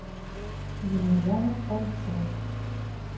емельянов фальцет